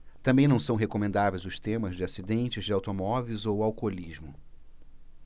também não são recomendáveis os temas de acidentes de automóveis ou alcoolismo